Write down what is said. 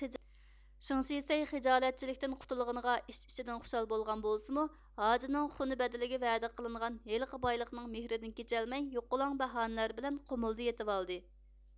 شىڭ شىسەي خىجالەتچىلىكتىن قۇتۇلغىنىغا ئىچ ئىچىدىن خۇشال بولغان بولسىمۇ ھاجىنىڭ خۇنى بەدىلىگە ۋەدە قىلىنغان ھېلىقى بايلىقنىڭ مېھرىدىن كېچەلمەي يوقىلاڭ باھانىلەر بىلەن قۇمۇلدا يېتىۋالدى